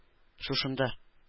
Шушында